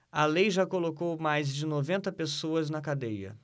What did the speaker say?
a lei já colocou mais de noventa pessoas na cadeia